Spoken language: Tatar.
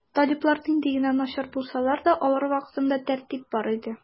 Талиблар нинди генә начар булсалар да, алар вакытында тәртип бар иде.